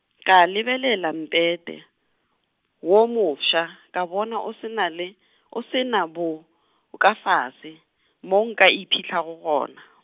ka lebelela Mpete, wo mofsa ka bona o se na le, o se na bo, -okafase, mo nka iphihlago gona.